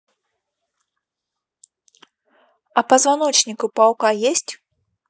а позвоночник у паука есть